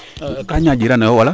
kaa ñaaƴiranoyo wala